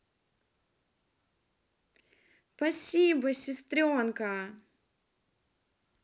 спасибо сестренка